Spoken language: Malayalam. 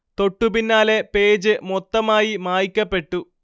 തൊട്ടു പിന്നാലെ പേജ് മൊത്തമായി മായ്ക്കപ്പെട്ടു